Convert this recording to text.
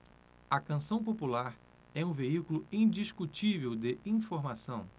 a canção popular é um veículo indiscutível de informação